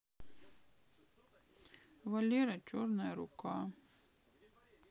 валера черная рука